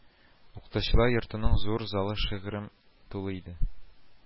Укытучылар йортының зур залы шыгрым тулы иде